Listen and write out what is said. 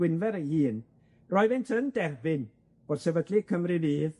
Gwynfer ei hun, roeddent yn derbyn bod sefydlu Cymru Fydd